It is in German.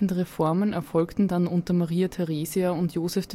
Reformen erfolgten dann unter Maria Theresia und Joseph